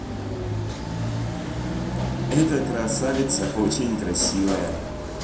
это красиваца очень красивая